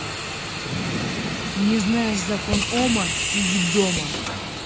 не знаешь закон ома сиди дома